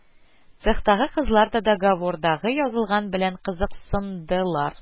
Цехтагы кызлар да договорда язылганнар белән кызыксындылар: